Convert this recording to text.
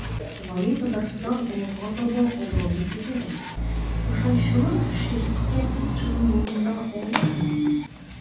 "вамин-татарстан” алга таба абруен күтәрә, ышанычлы ширкәт имиджын булдыра алырмы?